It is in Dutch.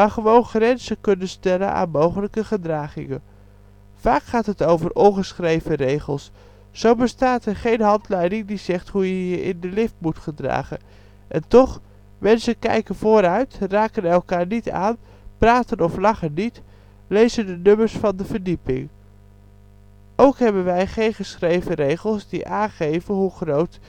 gewoon grenzen kunnen stellen aan mogelijke gedragingen. Vaak gaat het over ongeschreven regels. Zo bestaat er geen handleiding die zegt hoe je je in de lift moet gedragen. En toch. Mensen kijken vooruit, raken elkaar niet aan, praten of lachen niet, lezen de nummers van de verdieping. Ook hebben wij geen geschreven regels die aangeven hoe groot